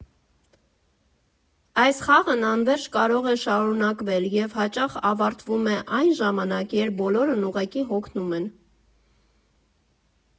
Այս խաղն անվերջ կարող է շարունակվել և հաճախ ավարտվում է այն ժամանակ, երբ բոլորն ուղղակի հոգնում են։